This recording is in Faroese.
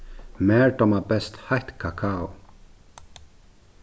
mær dámar best heitt kakao